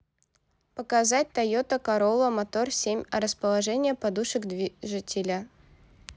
показать тойота королла мотор семь а расположение подушек движителя